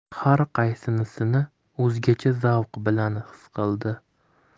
har qaysisini o'zgacha zavq bilan xis qildi